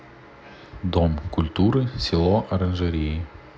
дом культуры село оранжереи